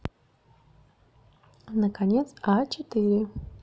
наконец а четыре